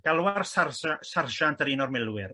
galw ar sarsiant un sarsiant un o'r milwyr